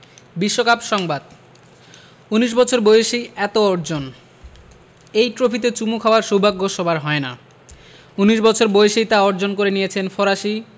বিশ্বকাপ সংবাদ ১৯ বছর বয়সেই এত অর্জন এই ট্রফিতে চুমু খাওয়ার সৌভাগ্য সবার হয় না ১৯ বছর বয়সেই তা অর্জন করে নিয়েছেন ফরাসি